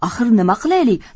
axir nima qilaylik